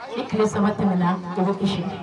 Ni tile 3 tɛmɛna u bɛ kisi.